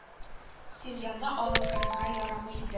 Семьяны алып керергә ярамый иде